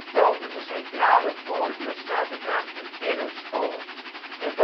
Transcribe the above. Boven de centrale voordeur staat de naam ' Pupillenschool ' en